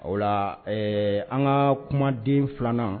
O la ɛɛ an ka kumaden 2 nan